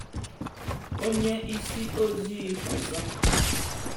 Onye isi ojii ọzọ?!